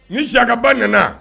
Ni sikaba nana